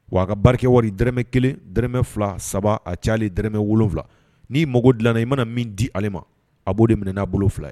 Wa a ka barakɛ wari dɔrɔmɛ 1 , dɔrɔmɛ 2, 3 a caayalen dɔrɔmɛ 7 ni'i mago dillanna i mana min di ale ma a b'o de minɛ n'a bolo 2.